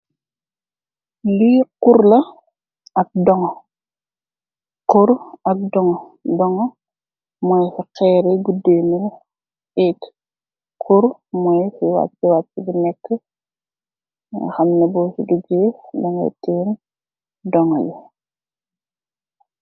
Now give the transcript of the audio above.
Li kurr la ak dongu kurr ak dongu, dongu muy kherr yu guduh yu nyull eek kurr muy wachi wachi bu xham ni sufa dugeh dang ngai teene